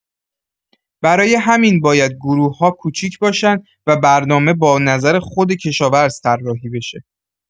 برای همین باید گروه‌ها کوچیک باشن و برنامه با نظر خود کشاورز طراحی بشه.